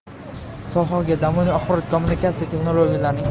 sohaga zamonaviy axborot kommunikatsiya texnologiyalarining